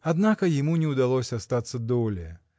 Однако ему не удалось остаться долее.